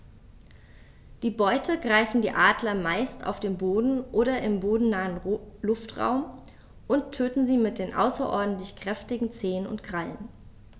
Die Beute greifen die Adler meist auf dem Boden oder im bodennahen Luftraum und töten sie mit den außerordentlich kräftigen Zehen und Krallen.